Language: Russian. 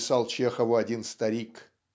)),- писал Чехову один старик